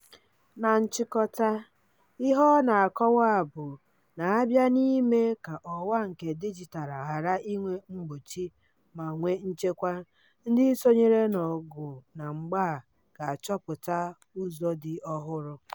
Na nchịkọta, ihe ọ na-akọwa bụ na a bịa n'ime ka ọwa ndị nke dijitalụ ghara inwe mgbochi ma dị nchekwa, ndị sonyere n'ọgụ na mgba a ga-achọpụtara ụzọ ndị ọhụrụ.